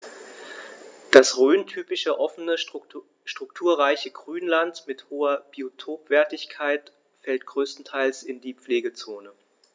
Das rhöntypische offene, strukturreiche Grünland mit hoher Biotopwertigkeit fällt größtenteils in die Pflegezone.